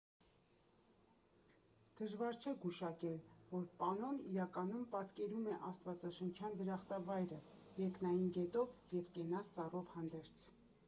Դժվար չէ գուշակել, որ պանոն իրականում պատկերում է աստվածաշնչյան դրախտավայրը՝ երկնային գետով և կենաց ծառով հանդերձ։